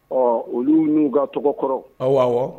Ɔ olu n'u ka tɔgɔ kɔrɔ anw